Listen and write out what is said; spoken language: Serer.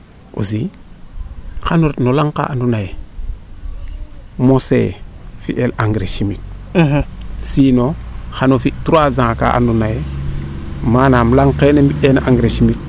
aussi xano ret no laŋ kaa ando naye mosee fi;e engrais chimique si non xano fi trois ans kaa ando naye manaam laŋ keene mbi eena engrais chimique